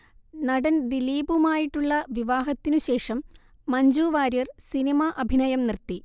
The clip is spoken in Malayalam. നടൻ ദിലീപുമായിട്ടുള്ള വിവാഹത്തിനു ശേഷം മഞ്ജു വാര്യർ സിനിമ അഭിനയം നിർത്തി